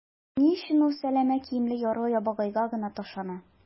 Ни өчен ул сәләмә киемле ярлы-ябагайга гына ташлана?